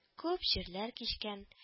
Күүп җирләр кичкән